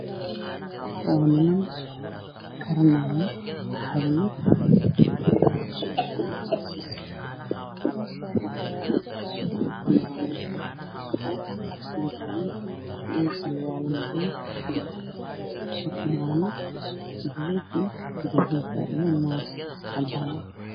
Waa niman wata dhar gaduud ah